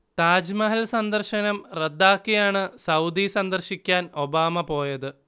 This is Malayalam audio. താജ്മഹൽ സന്ദർശനം റദ്ദാക്കിയാണ് സൗദി സന്ദർശിക്കാൻ ഒബാമ പോയത്